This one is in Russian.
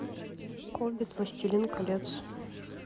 хоббит властелин колец